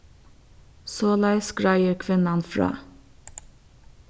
soleiðis greiðir kvinnan frá